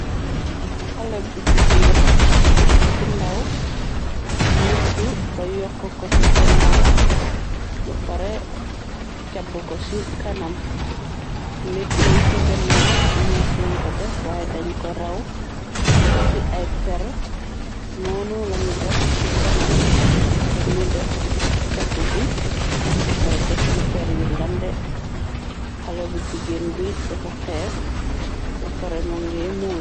Xale bu jigeen bu ndàw, lettu ba yokk ko ci gannaaw ba pare càbb ko ci kanam, lett yi ci gannaaw mees lañ ko def waaye dañ ko raw, def ci ay per, noonu lañu def ci kanam luñu def càbb bi, ba pare def ci per yu ngande, xale bu jigeen bi defa xees, bu pare mo ngee muur.